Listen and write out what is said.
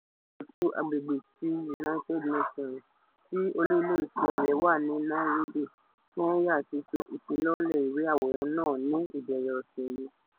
Ètò Agbègbè tí United Nations, tí olú ilé-iṣẹ́ rẹ̀ wà ní Nairobi, Kenya ti ṣe ìfilọ́lẹ̀ ìwé àwòrán náà ní ìbẹ̀rẹ̀ ọ̀sẹ̀ yìí.